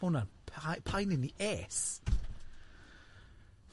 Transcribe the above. Ma' hwnna'n pa- paen in the êss.